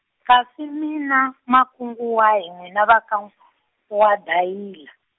kasi mi na, makungu wahi n'wina va ka , waDayila.